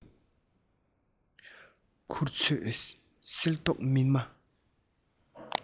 མཁུར ཚོས སིལ ཏོག སྨིན མ